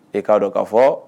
E k'a dɔn kaa fɔ